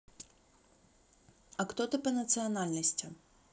а кто ты по национальности